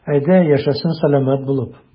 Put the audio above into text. Әйдә, яшәсен сәламәт булып.